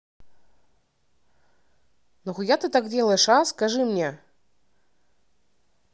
нахуя ты так делаешь а скажи мне